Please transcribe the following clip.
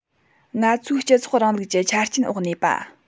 ང ཚོའི སྤྱི ཚོགས རིང ལུགས ཀྱི ཆ རྐྱེན འོག གནས པ